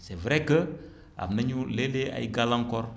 c' est vrai que am nañu léeg-léeg ay gàllankoor